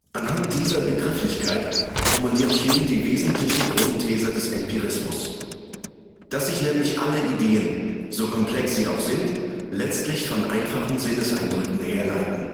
Anhand dieser Begrifflichkeit formuliert Hume die wesentliche Grund-These des Empirismus: Dass sich nämlich alle Ideen, so komplex sie auch sind, letztlich von einfachen Sinneseindrücken herleiten